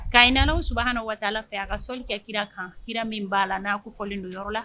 Ka ɲinina su waati fɛ a ka selili kɛ kira kan kira min b'a la n'a ko fɔlen don yɔrɔ la